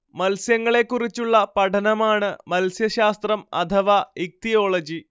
മത്സ്യങ്ങളെക്കുറിച്ചുള്ള പഠനമാണ് മത്സ്യശാസ്ത്രം അഥവാ ഇക്തിയോളജി